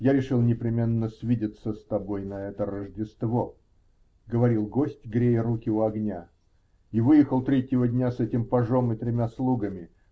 -- Я решил непременно свидеться с тобой на это Рождество, -- говорил гость, грея руки у огня, -- и выехал третьего дня с этим пажом и тремя слугами.